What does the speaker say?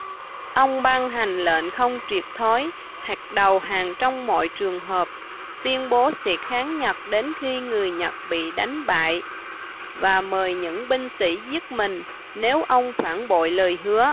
ông ban hành lệnh không triệt thoái hoặc đầu hàng trong mọi trường hợp tuyên bố sẽ kháng nhật đến khi người nhật bị đánh bại và mời những binh sĩ giết mình nếu ông phản bội lời hứa